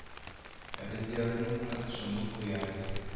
Ә без диагнозны шундук куябыз